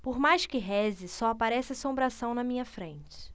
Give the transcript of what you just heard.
por mais que reze só aparece assombração na minha frente